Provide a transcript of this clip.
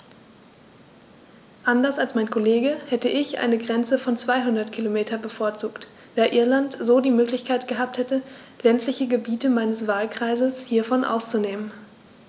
Anders als mein Kollege hätte ich eine Grenze von 200 km bevorzugt, da Irland so die Möglichkeit gehabt hätte, ländliche Gebiete meines Wahlkreises hiervon auszunehmen.